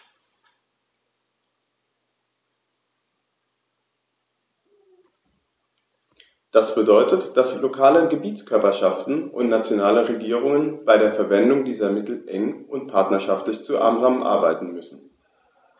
Das bedeutet, dass lokale Gebietskörperschaften und nationale Regierungen bei der Verwendung dieser Mittel eng und partnerschaftlich zusammenarbeiten müssen.